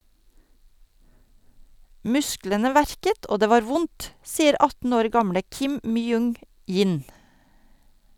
Musklene verket og det var vondt, sier 18 år gamle Kim Myung- jin.